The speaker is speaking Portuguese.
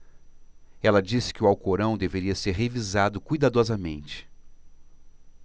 ela disse que o alcorão deveria ser revisado cuidadosamente